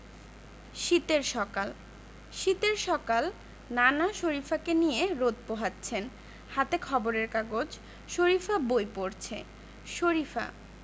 শীতের সকাল শীতের সকাল নানা শরিফাকে নিয়ে রোদ পোহাচ্ছেন হাতে খবরের কাগজ শরিফা বই পড়ছে শরিফা